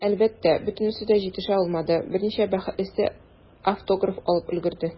Әлбәттә, бөтенесе дә җитешә алмады, берничә бәхетлесе автограф алып өлгерде.